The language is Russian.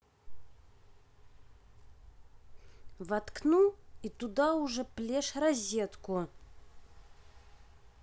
воткнул и туда уже плешь розетку